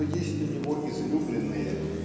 что есть у него излюбленные